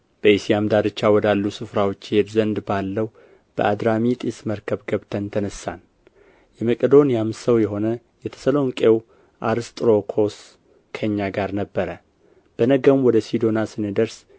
በእስያም ዳርቻ ወዳሉ ስፍራዎች ይሄድ ዘንድ ባለው በአድራሚጢስ መርከብ ገብተን ተነሣን የመቄዶንያም ሰው የሆነ የተሰሎንቄው አርስጥሮኮስ ከእኛ ጋር ነበረ በነገውም ወደ ሲዶና ስንደርስ